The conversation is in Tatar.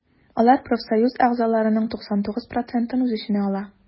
Алар профсоюз әгъзаларының 99 процентын үз эченә ала.